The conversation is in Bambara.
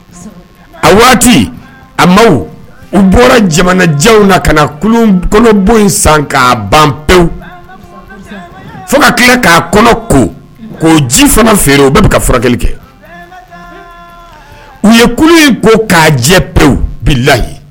A waati a ma u bɔra jamanajɛw na ka kɔnɔ bɔ in san k'a ban pe pewu fo ka tila k'a kɔnɔ ko k ji fana feere u bɛɛ bɛ ka furakɛli kɛ u ye kulu in ko k'a jɛ pewu bila la ye